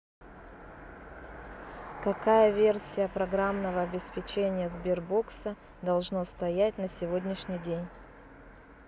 какая версия программного обеспечения сбербокса должно стоять на сегодняшний день